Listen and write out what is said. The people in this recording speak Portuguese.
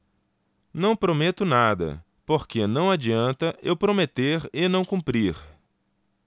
não prometo nada porque não adianta eu prometer e não cumprir